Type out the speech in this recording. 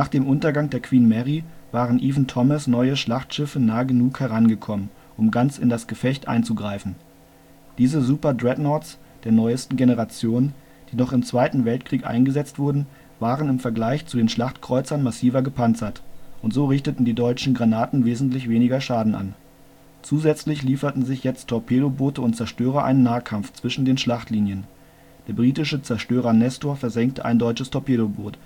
dem Untergang der Queen Mary waren Evan-Thomas ' neue Schlachtschiffe nah genug herangekommen, um ganz in das Gefecht einzugreifen. Diese Super-Dreadnoughts der neuesten Generation, die noch im Zweiten Weltkrieg eingesetzt wurden, waren im Vergleich zu den Schlachtkreuzern massiver gepanzert, und so richteten die deutschen Granaten wesentlich weniger Schaden an. Zusätzlich lieferten sich jetzt Torpedoboote und Zerstörer einen Nahkampf zwischen den Schlachtlinien. Der britische Zerstörer Nestor versenkte ein deutsches Torpedoboot